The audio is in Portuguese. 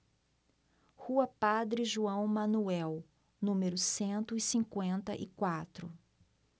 rua padre joão manuel número cento e cinquenta e quatro